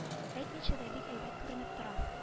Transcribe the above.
Әйтмичә дә бик әйбәт күренеп тора